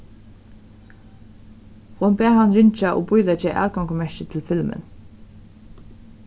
hon bað hann ringja og bíleggja atgongumerki til filmin